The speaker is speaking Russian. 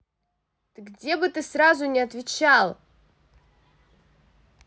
ты где бы ты сразу не отвечал